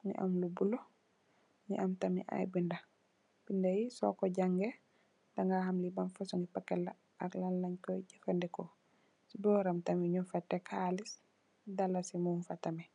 muge am lu bulo muge am tamin aye beda beda ye suku jange daga ham le ban fosunge packete la ak lan lenkoye jafaneku se boram nugfa tek halis dalasi mugfa tamin.